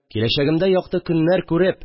Киләчәгемдә якты көннәр күреп